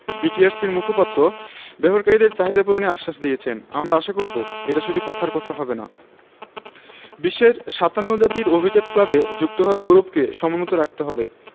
বিটিআরসির মুখপাত্র ব্যবহারকারীদের চাহিদা পূরণের আশ্বাস দিয়েছেন আমরা আশা করব এটা শুধু কথার কথা হবে না বিশ্বের ৫৭ জাতির অভিজাত ক্লাবে যুক্ত হওয়ার গৌরবকে সমুন্নত রাখতে হবে